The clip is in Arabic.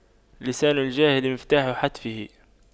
لسان الجاهل مفتاح حتفه